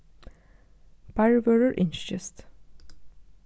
barrvørður ynskist